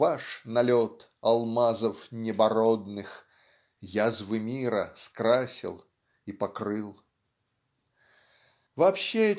Ваш налет алмазов небородных Язвы мира скрасил и покрыл. Вообще